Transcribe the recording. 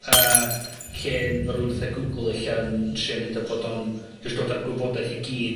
Yy, lle'n rwun fatha Google ella'n trio neud o bod o'n, jyst dod â'r gwybodaeth i gyd...